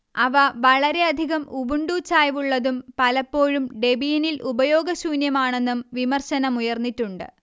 അവ വളരെയധികം ഉബുണ്ടു ചായ്വുള്ളതും പലപ്പോഴും ഡെബിയനിൽ ഉപയോഗശൂന്യമാണെന്നും വിമർശനമുയർന്നിട്ടുണ്ട്